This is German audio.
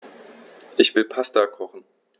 Ich will Pasta kochen.